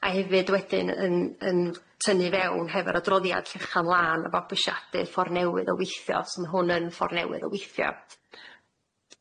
A hefyd wedyn yn yn tynnu fewn hefo'r adroddiad llechan lân a fabwysiadu ffor newydd o weithio so ma' hwn yn ffor newydd o weithio.